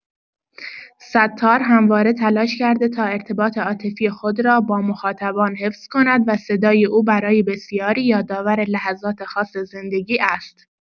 ستار همواره تلاش کرده تا ارتباط عاطفی خود را با مخاطبان حفظ کند و صدای او برای بسیاری یادآور لحظات خاص زندگی است.